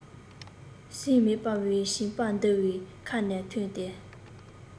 ཟིན མེད པའི བྱིས པ འདིའི ཁ ནས ཐོན ཏེ